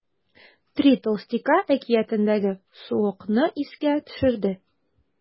“три толстяка” әкиятендәге суокны искә төшерде.